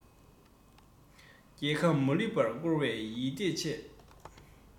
རྒྱལ ཁམས མ ལུས པར བསྐོར བའི ཡིད ཆེས བརྟས